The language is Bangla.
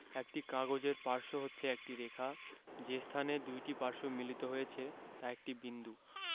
একটি কাগজের পার্শ্ব হচ্ছে একটি রেখা যে স্থানে দুইটি পার্শ্ব মিলিত হয়েছে তা একটি বিন্দু